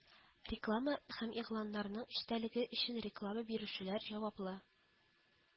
Реклама һәм игъланнарның эчтәлеге өчен реклама бирүчеләр җаваплы